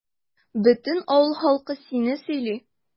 Бөтен авыл халкы сине сөйли.